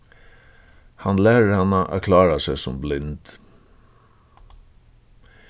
hann lærir hana at klára seg sum blind